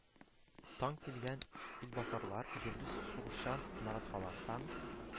Тан килгән илбасарлар, җирле сугышчан маратхалар һәм